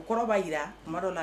O kɔrɔba jira maradɔ la